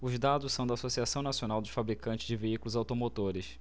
os dados são da anfavea associação nacional dos fabricantes de veículos automotores